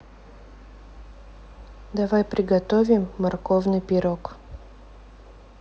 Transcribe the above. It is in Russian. давай приготовим морковный пирог